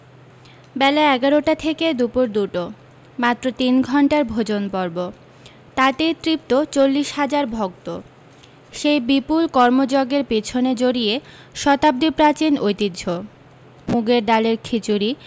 বেলা এগারোটা থেকে দুপুর দুটো মাত্র তিন ঘন্টার ভোজনপর্ব তাতেই তৃপ্ত চল্লিশ হাজার ভক্ত সেই বিপুল কর্ম্যজ্ঞের পিছনে জড়িয়ে শতাব্দীপ্রাচীন ঐতিহ্য মুগের ডালের খিচুড়ি